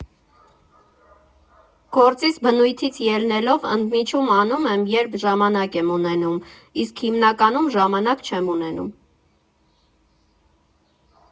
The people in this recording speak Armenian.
Գործիս բնույթից ելնելով՝ ընդմիջում անում եմ, երբ ժամանակ եմ ունենում, իսկ հիմնականում ժամանակ չեմ ունենում։